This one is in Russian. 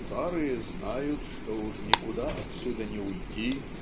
Старые знают, что уж никуда отсюда не уйти